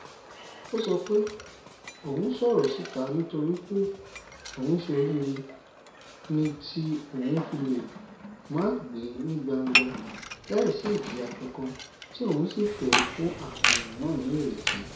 Ọ sọ pé òun sọ̀rọ̀ síta nítorípé òun ṣe oríire ni tí òun fi le máa gbé ní gbangba láìsí ìjìyà kankan tí òwun sì fẹ́ fún àwọn míràn ní “ìrètí.”